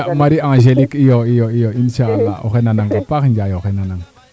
Ya Marie ANgelique iyo iyo iyo inchaalah oxey nanang a paax Ndiaye oxey nanang